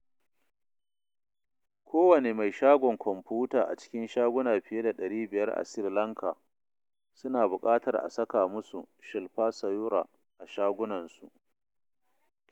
Kowane mai shagon kwamfuta a cikin shaguna fiye da 500 a Sri Lanka suna buƙatar a saka musu Shilpa Sayura a shagunansu.